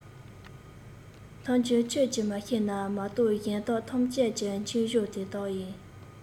འཐོམ གྱེ ཁྱོད ཀྱིས མ ཤེས ན མ གཏོགས གཞན དག ཐམས ཅད ཀྱི མཁྱེན སྤྱོད དེ དག ཡིན